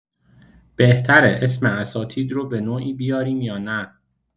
بهتره اسم اساتید رو به‌نوعی بیاریم یا نه؟